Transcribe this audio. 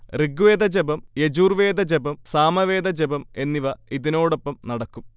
ഋഗ്വേദജപം, യജൂർവേദ ജപം, സാമവേദ ജപം എന്നിവ ഇതിനോടൊപ്പം നടക്കും